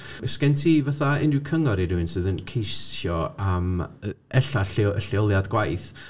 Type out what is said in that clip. Oes gen ti, fatha, unrhyw cyngor i rywun sydd yn ceisio am yy ella lleo- lleoliad gwaith...